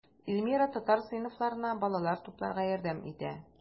Эльмира татар сыйныфларына балалар тупларга ярдәм итә.